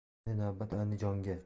endi navbat andijonga